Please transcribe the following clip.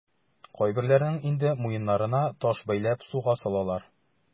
Кайберләренең инде муеннарына таш бәйләп суга салалар.